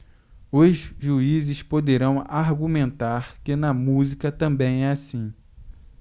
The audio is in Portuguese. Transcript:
os juízes poderão argumentar que na música também é assim